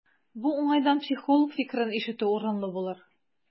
Бу уңайдан психолог фикерен ишетү урынлы булыр.